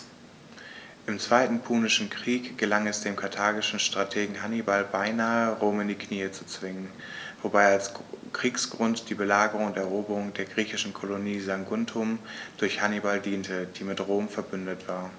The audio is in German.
Im Zweiten Punischen Krieg gelang es dem karthagischen Strategen Hannibal beinahe, Rom in die Knie zu zwingen, wobei als Kriegsgrund die Belagerung und Eroberung der griechischen Kolonie Saguntum durch Hannibal diente, die mit Rom „verbündet“ war.